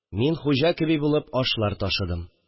Мин хуҗа кеби булып ашлар ташыдым